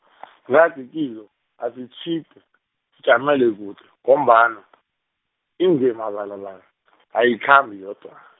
ngathi kilo asitjhide, sijamele kude, ngombana , ingwemabala la, ayikhambi yodwa.